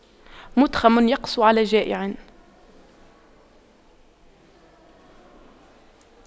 مُتْخَمٌ يقسو على جائع